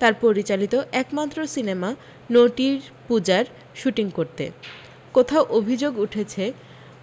তার পরিচালিত একমাত্র সিনেমা নটীর পূজার শ্যুটিং করতে কোথাও অভি্যোগ উঠেছে